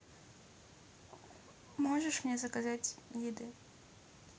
можешь мне заказать еды